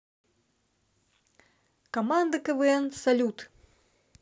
команда квн салют